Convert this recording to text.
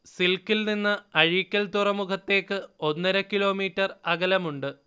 സിൽക്കിൽനിന്ന് അഴീക്കൽ തുറമുഖത്തേക്ക് ഒന്നര കിലോമീറ്റർ അകലമുണ്ട്